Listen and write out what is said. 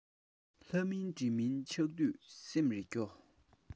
ལྷ མིན འདྲེ མིན ཆགས དུས སེམས རེ སྐྱོ